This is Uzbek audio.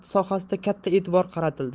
sohasiga katta e'tibor qaratildi